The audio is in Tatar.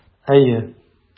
Әйе.